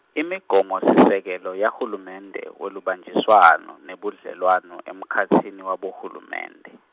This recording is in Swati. imigomosisekelo yahulumende, welubanjiswano, nebudlelwano, emkhatsini wabohulumende.